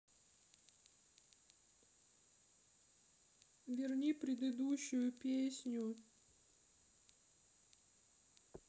верни предыдущую песню